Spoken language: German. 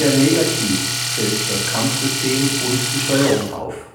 negativ fällt das Kampfsystem und die Steuerung auf